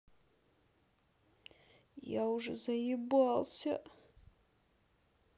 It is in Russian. я уже заебался